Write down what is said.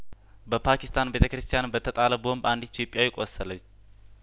በፓኪስታን ቤተ ክርስቲያን በተጣለ ቦምብ አንዲት ኢትዮጵያዊ ቆሰለች